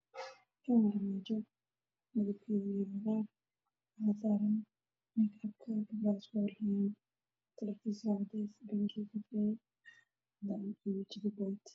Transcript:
Meeshaan ayaa laan maamul qurxin oo faro badan oo kale kala duwan dadka ugu soo horeeyo waa caano iyo fiinto